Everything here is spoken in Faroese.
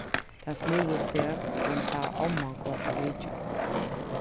tað snúði seg um tá omman kom á vitjan